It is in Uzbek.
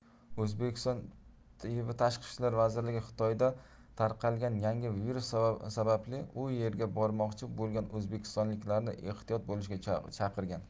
o'zbekiston tiv xitoyda tarqalgan yangi virus sababli u yerga bormoqchi bo'lgan o'zbekistonliklarni ehtiyot bo'lishga chaqirgan